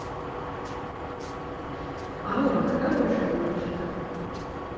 alan хороший мальчик